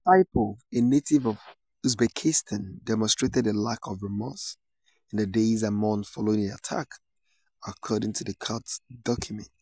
Saipov, a native of Uzbekistan, demonstrated a lack of remorse in the days and months following the attack, according to court documents.